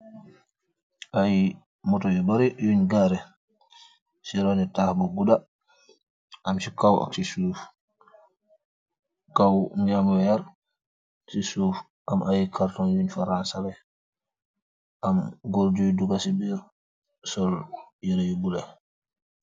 Eyy motor yu bari yungh gaareh cii rohni taakh bu guda, am ci kaw am ci suff, kaw mungy am werre, ci suff am aiiy carrton yunfa raanzaleh, am gorr yui duga ci birr sol yereh yu guda.